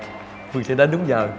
phương sẽ đến đúng giờ